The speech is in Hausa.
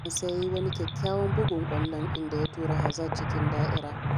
Sa’an nan sai ya yi wani kyakkyawan buga ƙwallon, inda ya tura Hazard cikin da'ira.